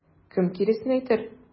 Кем киресен әйтер?